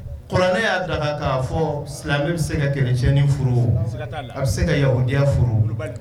Kuranɛ y'a tila ka fɔ silamɛ bɛ se ka kɛlɛcɛnin furu a bɛ se ka ya odiya furu